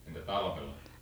entä talvella